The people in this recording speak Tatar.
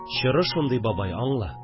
Чоры шундый, бабай, аңла